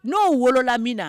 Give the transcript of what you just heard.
N'o wolo lam min na